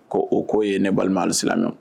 Ko o k'o ye ne balima sisan nɔ